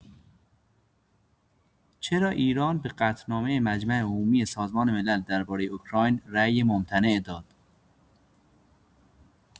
چرا ایران به قطعنامه مجمع عمومی سازمان ملل درباره اوکراین رای ممتنع داد؟